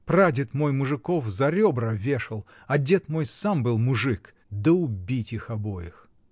прадед мой мужиков за ребра вешал, а дед мой сам был мужик", -- да убить их обоих.